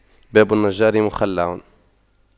باب النجار مخَلَّع